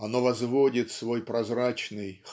оно возводит свой прозрачный